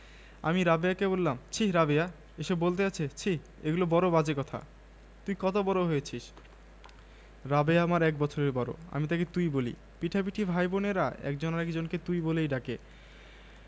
TV microwave ওভেনসহ সব ধরনের কিচেন অ্যাপ্লায়েন্সে আকর্ষণীয় সব অফার